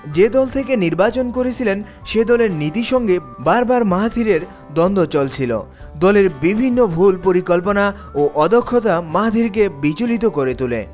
যে দল থেকে নির্বাচন করেছিলেন সে দলের নীতি সঙ্গে বারবার মাহাথিরের দ্বন্দ চলছিল দলের বিভিন্ন ভুল পরিকল্পনা ও অদক্ষতা মাহাথিরকে বিচলিত করে তোলে